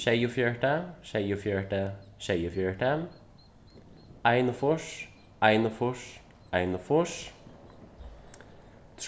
sjeyogfjøruti sjeyogfjøruti sjeyogfjøruti einogfýrs einogfýrs einogfýrs